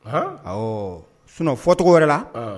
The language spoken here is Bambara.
Han, awɔɔ, fɔ tɔgɔ wɛrɛ la